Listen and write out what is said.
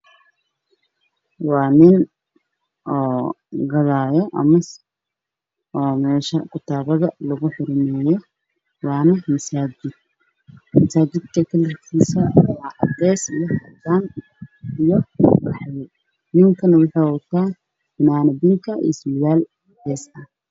Waa nin oo joogo meesha kitaabada lugu xurmeeyo ama masaajid kalarkiisu waa cadeys iyo cadaan iyo qaxwi. Ninku waxuu wataa fanaanad iyo surwaal cadeys ah.